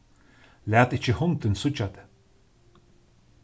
lat ikki hundin síggja teg